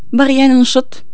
باغية ننشط